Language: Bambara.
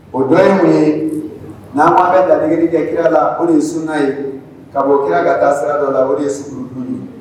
O dɔ ye mun ye? Nan kan bɛ ladeceli kɛ kira la o ye sunna ye ka bɔ kira ka taa sira dɔ la o de ye suguri dun ye.